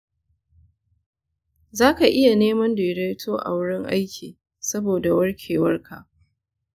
zaka iya neman daidaito a wurin aiki saboda warkewarka.